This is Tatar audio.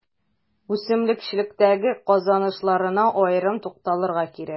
Үсемлекчелектәге казанышларына аерым тукталырга кирәк.